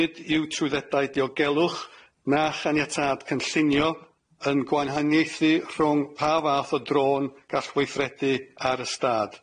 Nid yw trwyddedau diogelwch na chaniatâd cynllunio yn gwanhaniaethu rhwng pa fath o drôn gall weithredu ar y stâd.